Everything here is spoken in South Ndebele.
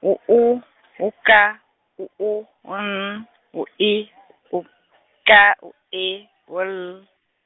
wu U , wu K, wu U, wu N, wu I , wu K, wu E, wu L,